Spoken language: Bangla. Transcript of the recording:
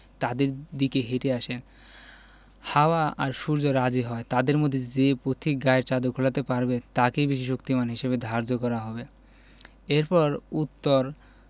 তাদের দিকে হেটে আসেন হাওয়া আর সূর্য রাজি হয় তাদের মধ্যে যে পথিকে গায়ের চাদর খোলাতে পারবে তাকেই বেশি শক্তিমান হিসেবে ধার্য করা হবে এরপর উত্তর